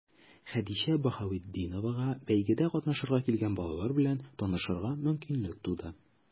Хәдичә Баһаветдиновага бәйгедә катнашырга килгән балалар белән танышырга мөмкинлек туды.